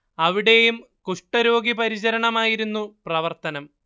അവിടേയും കുഷ്ടരോഗി പരിചരണമായിരുന്നു പ്രവർത്തനം